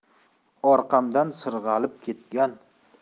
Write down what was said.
orqamdan sirg'alib ketgan